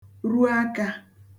ru akā